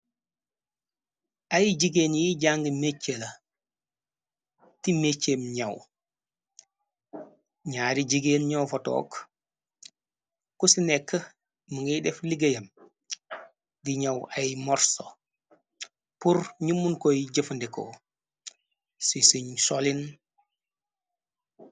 Ay jigéen yiy jàng mécce la ti mécceem ñaw gñaari jigéen ñoofatook ku ci nekk mu ngay def liggéeyam di ñaw ay morso pur ñu mun koy jëfandekoo ci ciñ solin.